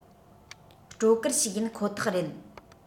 སྤྲོ གར ཞིག ཡིན ཁོ ཐག རེད